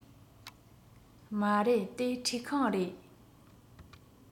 མ རེད དེ ཁྲུད ཁང རེད